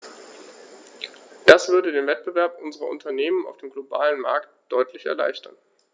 Das würde den Wettbewerb unserer Unternehmen auf dem globalen Markt deutlich erleichtern.